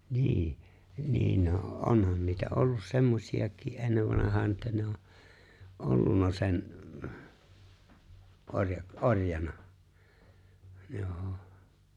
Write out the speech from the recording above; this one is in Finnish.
niin niin no onhan niitä ollut semmoisiakin ennen vanhaan että ne on ollut sen - orjana joo